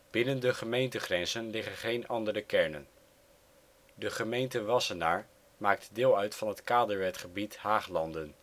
Binnen de gemeentegrenzen liggen geen andere kernen. De gemeente Wassenaar maakt deel uit van het kaderwetgebied Haaglanden